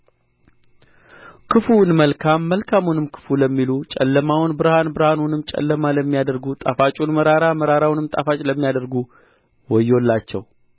ክፉውን መልካም መልካሙን ክፉ ለሚሉ ጨለማውን ብርሃን ብርሃኑንም ጨለማ ለሚያደርጉ ጣፋጩን መራራ መራራውንም ጣፋጭ ለሚያደርጉ ወዮላቸው